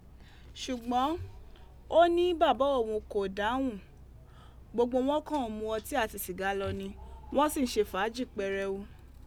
Ṣugbọn o ni baba oun ko dahun, gbogbo wọn kan n mu ọti ati siga lọ ni, wọn si n ṣe faaji pẹrẹu.